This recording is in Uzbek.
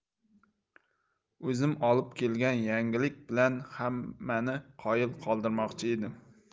o'zim olib kelgan yangilik bilan hammani qoyil qoldirmoqchi edim